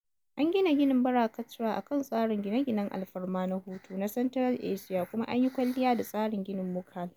An gina ginin Bara Katra a kan tsarin gine-ginen alfarma na hutu na Central Asiya kuma an yi kwalliya da tsarin ginin Mughal.